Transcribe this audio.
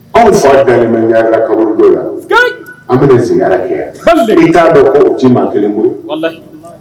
Anw fa bɛɛ ɲagayara kaburu dɔ la an bɛ z kɛ t'a dɔn ci maa kelen bolo